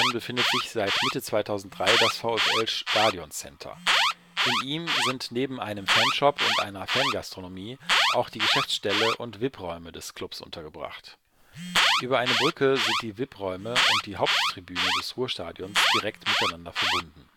befindet sich seit Mitte 2003 das VfL-Stadioncenter. In ihm sind neben einem Fanshop und einer Fangastronomie auch die Geschäftsstelle und VIP-Räume des Klubs untergebracht. Über eine Brücke sind die VIP-Räume und die Haupttribüne des Ruhrstadions direkt miteinander verbunden